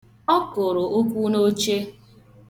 Ọ kụrụ ụkwụ n'oche.